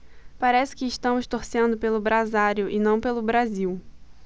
parece que estamos torcendo pelo brasário e não pelo brasil